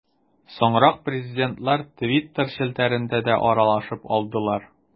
Соңрак президентлар Twitter челтәрендә дә аралашып алдылар.